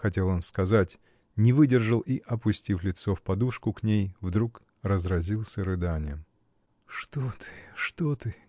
”— хотел он сказать, не выдержал и, опустив лицо в подушку к ней, вдруг разразился рыданием. — Что ты, что ты!